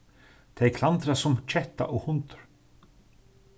tey klandraðust sum ketta og hundur